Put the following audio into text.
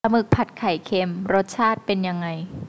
ปลาหมึกผัดไข่เค็มรสชาติเป็นยังไง